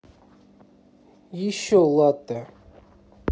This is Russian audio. еще латте